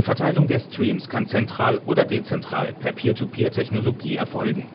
Verteilung der Streams kann zentral oder dezentral per P2P-Technologie erfolgen.